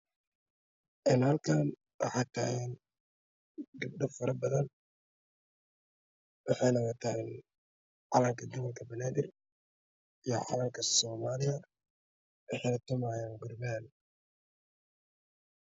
Halkaan waxaa ga dho fara badan waxayna wataan calanka golobka benaadir iyo calanka soomaaliya waxayna tumaayaan gurbaan.